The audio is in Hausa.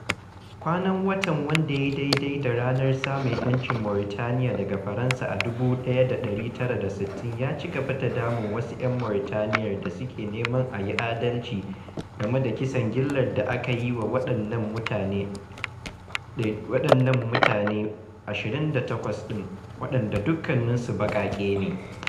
Kwanan watan, wanda ya yi daidai da ranar samun 'yancin Mauritaniya daga Faransa a 1960, ya cigaba da damun wasu 'yan Mauritaniyar da suke neman a yi adalci game da kisan gillar da aka yi wa waɗannan mutane 28 ɗin, waɗanda dukkaninsu baƙaƙe ne.